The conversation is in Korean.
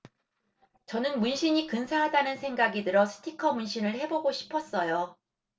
저는 문신이 근사하다는 생각이 들어 스티커 문신을 해 보고 싶었어요